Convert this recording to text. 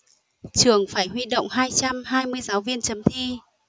trường phải huy động hai trăm hai mươi giáo viên chấm thi